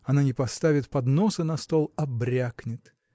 Она не поставит подноса на стол, а брякнет